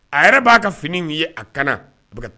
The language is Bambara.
A yɛrɛ b'a ka fini nin ye a kana